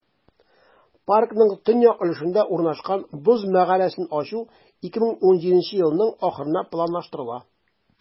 Паркның төньяк өлешендә урнашкан "Боз мәгарәсен" ачу 2017 елның ахырына планлаштырыла.